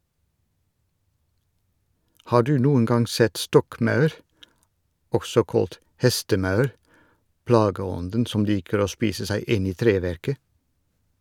Har du noen gang sett stokkmaur, også kalt hestemaur, plageånden som liker å spise seg inn i treverket?